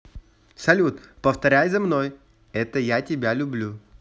салют повторяй за мной это я тебя люблю